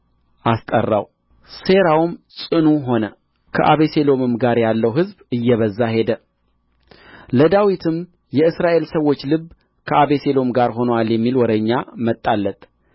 አስጠራው ሴራውም ጽኑ ሆነ ከአቤሴሎምም ጋር ያለ ሕዝብ እየበዛ ሄደ ለዳዊትም የእስራኤል ሰዎች ልብ ከአቤሴሎም ጋር ሆኖአል የሚል ወሬኛ መጣለት